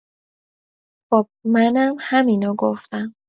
خب منم همینو گفتم